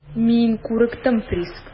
Мин курыктым, Приск.